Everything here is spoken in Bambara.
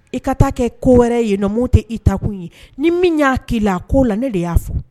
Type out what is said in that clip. I ka taa kɛ ko wɛrɛ ye numu tɛ i takun ye ni min y'a k'i la koo la ne de y'a fo